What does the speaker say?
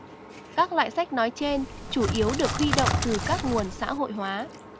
các loại sách nói trên chủ yếu được huy động từ các nguồn xã hội hóa